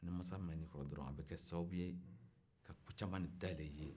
i maasa mɛnna i kɔrɔ dɔrɔn a bɛ kɛ sababu ye ka ko caman de da yɛlɛ i ye